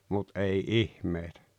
mutta ei ihmeitä